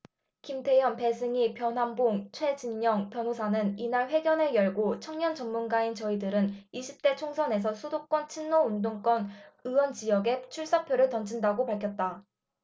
김태현 배승희 변환봉 최진녕 변호사는 이날 회견을 열고 청년 전문가인 저희들은 이십 대 총선에서 수도권 친노 운동권 의원 지역에 출사표를 던진다고 밝혔다